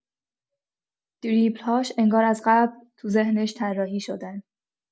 دریبل‌هاش انگار از قبل تو ذهنش طراحی شدن.